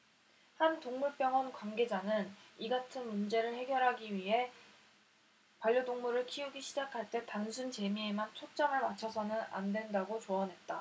한 동물병원 관계자는 이같은 문제를 해결하기 위해 반려동물을 키우기 시작할 때 단순 재미에만 초점을 맞춰서는 안된다고 조언했다